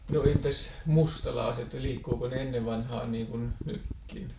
no entäs mustalaiset liikkuiko ne ennen vanhaan niin kuin nytkin